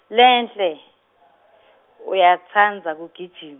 Lenhle, uyatsandza kugijim-.